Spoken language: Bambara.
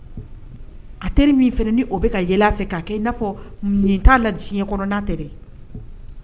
A teri min fana ni o bɛ ka yɛlɛ a fɛ kɛ, i n'a fɔ nin t'a la diɲɛkɔnɔ n'a tɛ!